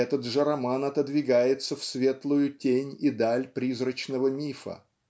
этот же роман отодвигается в светлую тень и даль призрачного мифа.